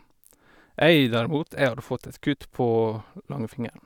Jeg, derimot, jeg hadde fått et kutt på langefingeren.